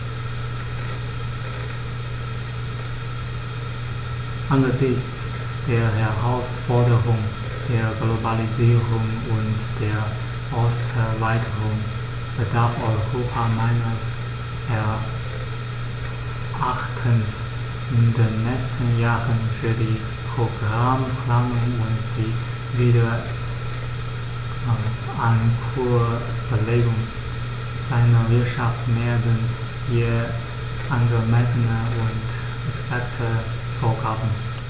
Angesichts der Herausforderung der Globalisierung und der Osterweiterung bedarf Europa meines Erachtens in den nächsten Jahren für die Programmplanung und die Wiederankurbelung seiner Wirtschaft mehr denn je angemessener und exakter Vorgaben.